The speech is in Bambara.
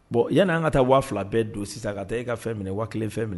Bon yan'an ka taa waa fila bɛɛ don sisan ka taa e ka fɛn minɛ wa kelen fɛn minɛ